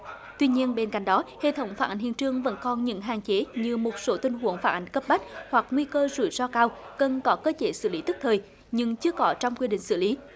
tuy nhiên bên cạnh đó hệ thống phản ánh hiện trường vẫn còn những hạn chế như một số tình huống phá án cấp bách hoặc nguy cơ rủi ro cao cần có cơ chế xử lý tức thời nhưng chưa có trong quy định xử lý